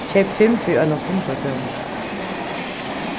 keyp fimm fyri einans hundrað krónur